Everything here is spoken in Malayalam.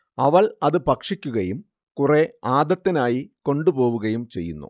അവൾ അതു ഭക്ഷിക്കുകയും കുറേ ആദത്തിനായി കൊണ്ടുപോവുകയും ചെയ്യുന്നു